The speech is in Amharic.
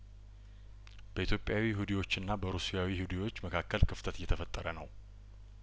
በኢትዮጵያዊ ይሁዲዎችና በሩሲያዊ ይሁዲዎች መካከል ክፍተት እየተፈጠረ ነው